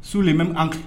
Sulen bɛ an kan